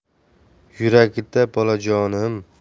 yuragida bolajonim